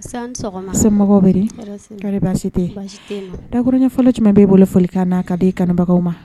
Se mɔgɔ bɛ baasi tɛ dakurunɲɛ fɔlɔ jumɛn bɛ bolo foli kan ka kanubagaw ma